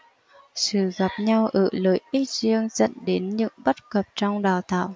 sự gặp nhau ở lợi ích riêng dẫn đến những bất cập trong đào tạo